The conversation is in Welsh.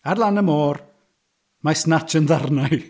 Ar lan y môr mae ei snatch yn ddarnau.